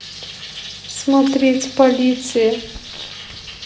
смотреть полиция